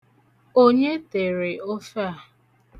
Onye tere ofe a?